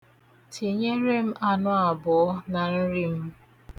Tinyere anụ abụọ na nri m.